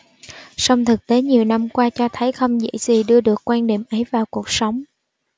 song thực tế nhiều năm qua cho thấy không dễ gì đưa được quan điểm ấy vào cuộc sống